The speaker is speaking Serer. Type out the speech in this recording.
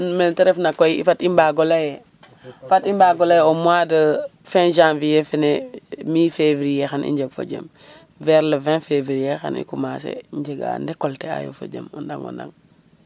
Mee ta refna koy fat i mbaag o lay ee fat mbaag o lay ee o mois de fin Janvier mi frevier xan i njeg fo jem vers le 20 fevrier xan i commencer njegaayo ndecolte'aayo fo jem o ndang o ndang